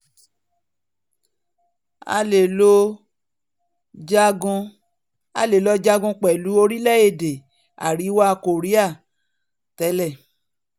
À fẹ́ lọ jagun pẹ̀lú orílẹ̀-èdè Àríwá Kòría télẹ̀.